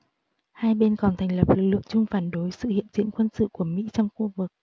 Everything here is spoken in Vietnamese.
hai bên còn thành lập lực lượng chung phản đối sự hiện diện quân sự của mỹ trong khu vực